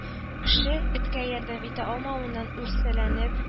Кеше, эткә ярдәм итә алмавына үрсәләнеп